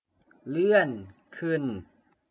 เลื่อนขึ้น